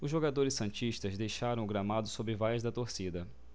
os jogadores santistas deixaram o gramado sob vaias da torcida